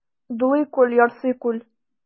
Дулый күл, ярсый күл.